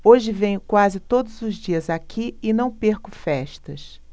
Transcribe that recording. hoje venho quase todos os dias aqui e não perco festas